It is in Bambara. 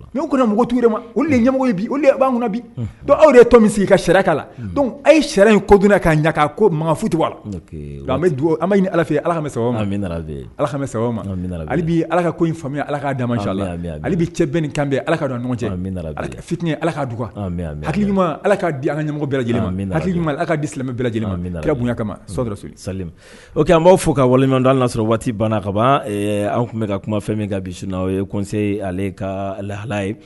Mɛ u kun mugu cogo de ma olu ni ɲɛmɔgɔ'an bi don aw de ye tɔ min sigi ka sariyaka la don a ye sariya in kodna k'aka ko makanga futu bɛ dugawu an ala ala sa ala sa ala ka komi ala ka da ma ala alebi cɛ bɛn ni kanbe ala ka an ɲɔgɔn cɛ fit ye ala ka du hakiliki ala di an ka ɲɛmɔgɔ bɛ hakiliki ala ka di silamɛmɛ bɛ lajɛlen ma bonyayan kama sɔ sa o an b'a fɔ ka wale ɲɔgɔn d y'a sɔrɔ waati banna ka ban an tun bɛ ka kuma fɛn min bi n' ye kose ale ka laha ye